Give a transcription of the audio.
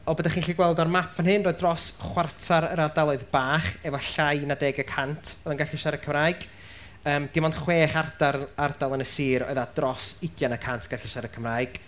O be da chi'n gallu gweld o'r map fan hyn, roedd dros chwarter yr ardaloedd bach, efo llai na deg y cant oedd yn gallu siarad Cymraeg. Dim ond chwech ardal yn y sir oedd â dros ugain y cant yn gallu siarad Cymraeg.